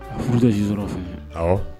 Furu te si sɔrɔ fɛ awɔ